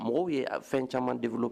Mɔgɔw ye fɛn caman de bolo